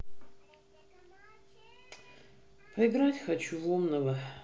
поиграть хочу в умного